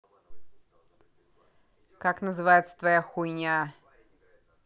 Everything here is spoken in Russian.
как называется твоя хуйня